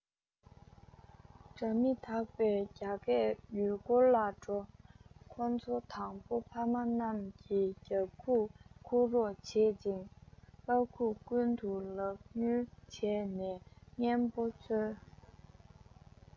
སྒྲ མི དག པའི རྒྱ སྐད ཡུལ སྐོར ལ འགྲོ ཁོ ཚོས དང པོ ཕ མ རྣམས ཀྱི རྒྱབ ཁུག འཁུར རོགས བྱེད ཅིང པར ཁུག ཀུན ཏུ ལག ཉུལ བྱས ནས རྔན པ འཚོལ